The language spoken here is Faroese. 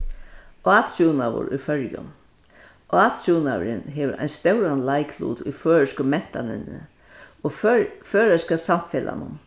átrúnaður í føroyum átrúnaðurin hevur ein stóran leiklut í føroysku mentanini og føroyska samfelagnum